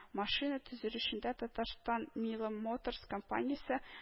Машина төзелешендә Татарстан, "Мила Моторс" компаниясе